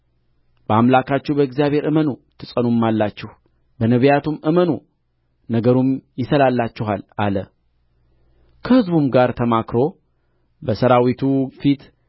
በእግዚአብሔር እመኑ ትጸኑማላችሁ በነቢያቱም እመኑ ነገሩም ይሰላላችኋል አለ ከሕዝቡም ጋር ተማክሮ በሠራዊቱ ፊት